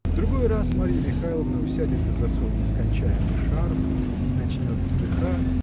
В другой раз Марья Михайловна усядется за свой нескончаемый шарф и начнет вздыхать